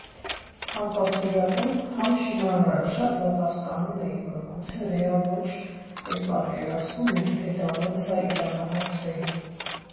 Համ պատվիրատուն, համ շինարարը շատ լավ հասկանում էին, որ գուցե ռեալ ոչ էլ պատկերացնում ենք, թե դա ոնց ա իրականացվելու։